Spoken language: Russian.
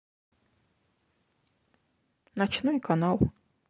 ночной канал